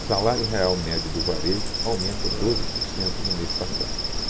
salário real médio do varejo aumenta doze por cento no mês passado